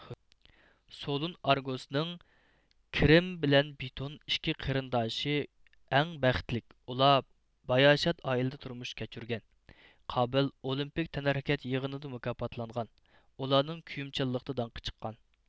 سولۇن ئارگوسنىڭ كىرىم بىلەن بتون ئىككى قېرىنداشى ئەڭ بەختلىك ئۇلار باياشات ئائىلىدە تۇرمۇش كۆچۈرگەن قابىل ئولىمپىك تەنھەرىكەت يىغىنىدا مۇكاپاتلانغان ئۇلارنىڭ كۆيۈمچانلىقتا داڭقى چىققان